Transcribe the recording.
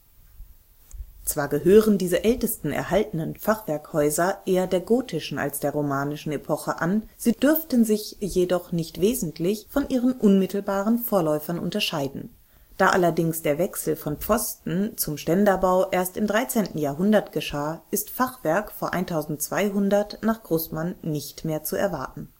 Zwar gehören diese ältesten erhaltenen Fachwerkhäuser eher der gotischen als der romanischen Epoche an, sie dürften sich jedoch nicht wesentlich von ihren unmittelbaren Vorläufern unterscheiden. Da allerdings der Wechsel vom Pfosten - zum Ständerbau erst im 13. Jahrhundert geschah, ist Fachwerk vor 1200 nach Grossmann nicht mehr zu erwarten